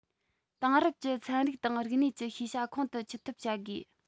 དེང རབས ཀྱི ཚན རིག དང རིག གནས ཀྱི ཤེས བྱ ཁོང དུ ཆུད ཐབས བྱ དགོས